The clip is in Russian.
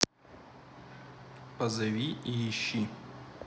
позови ищи